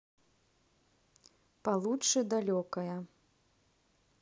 получше далекая